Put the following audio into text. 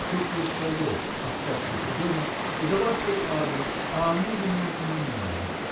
теплый салоп, оставшийся дома, и дала свой адрес, а о муже не упомянула.